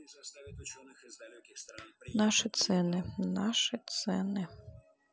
наши цены наши цены